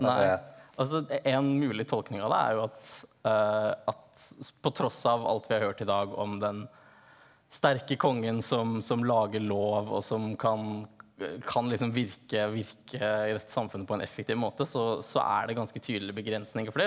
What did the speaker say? nei altså en mulig tolkning av det er jo at at på tross av alt vi har hørt i dag om den sterke kongen som som lager lov og som kan kan liksom virke virke i dette samfunnet på en effektiv måte så så er det ganske tydelige begrensninger for det.